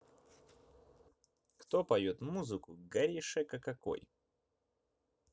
кто поет музыку горишека какой